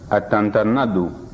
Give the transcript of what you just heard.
a tantan-na don